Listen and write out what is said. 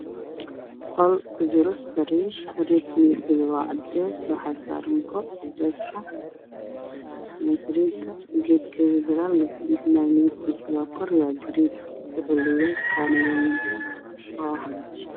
Waa qol waxaa yaalo labo sariir fadhi midabkooda waa caddaan sariirta waxaa saaran waxaa ka daaran la yar waxaa yaalo armaajo